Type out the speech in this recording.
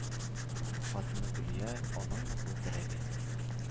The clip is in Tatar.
Хатыны Гөлия – аның ныклы терәге.